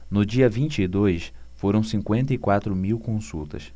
no dia vinte e dois foram cinquenta e quatro mil consultas